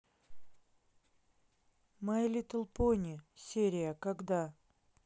май литтл пони серия когда